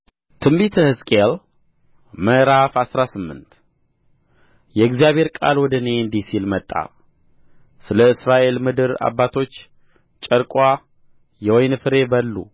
ትንቢተ ሕዝቅኤል ምዕራፍ አስራ ስምንት የእግዚአብሔርም ቃል ወደ እኔ እንዲህ ሲል መጣ ስለ እስራኤል ምድር አባቶች ጨርቋ የወይን ፍሬ በሉ